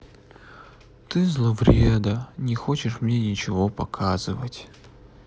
ты зловреда не хочешь мне ничего показывать